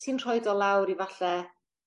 ti'n rhoid o lawr i falle